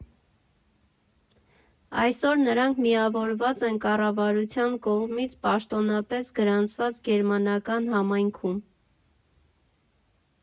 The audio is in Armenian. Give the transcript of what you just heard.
Այսօր նրանք միավորված են կառավարության կողմից պաշտոնապէս գրանցված գերմանական համայնքում։